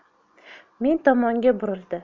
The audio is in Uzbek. men tomonga burildi